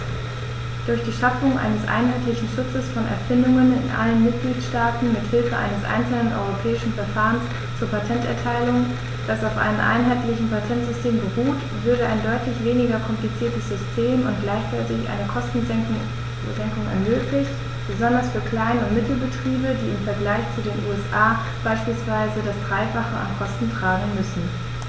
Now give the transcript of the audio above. Durch die Schaffung eines einheitlichen Schutzes von Erfindungen in allen Mitgliedstaaten mit Hilfe eines einzelnen europäischen Verfahrens zur Patenterteilung, das auf einem einheitlichen Patentsystem beruht, würde ein deutlich weniger kompliziertes System und gleichzeitig eine Kostensenkung ermöglicht, besonders für Klein- und Mittelbetriebe, die im Vergleich zu den USA beispielsweise das dreifache an Kosten tragen müssen.